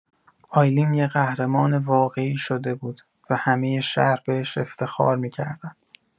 آیلین یه قهرمان واقعی شده بود و همه شهر بهش افتخار می‌کردن.